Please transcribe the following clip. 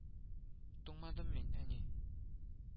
Туңмадым мин, әни